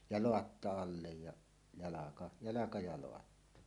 ja laatta alle ja jalka jalka ja laatta